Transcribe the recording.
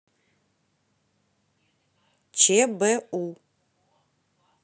ч б у